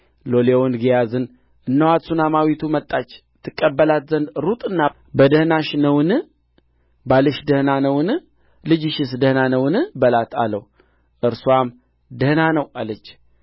ሎሌዋን ንዳ ሂድ እኔ ሳላዝዝህ አታዘግየኝ አለችው እንዲሁም ሄደች ወደ እግዚአብሔርም ሰው ወደ ቀርሜሎስ ተራራ መጣች የእግዚአብሔርም ሰው ከሩቅ ባያት ጊዜ